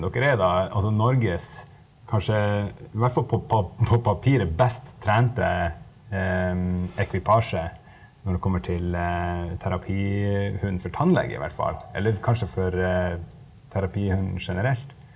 dere er da altså Norges kanskje hvert fall på på papiret best trente ekvipasje når det kommer til terapihund for tannleger i hvert fall eller kanskje for terapihund generelt.